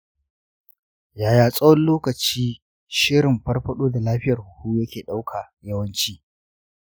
yaya tsawon lokaci shirin farfaɗo da lafiyar huhu yake ɗauka yawanci?